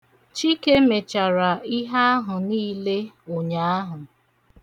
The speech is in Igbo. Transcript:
Chike mechara ihe ahụ niile ụnyaahụ.